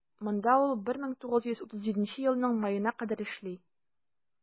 Монда ул 1937 елның маена кадәр эшли.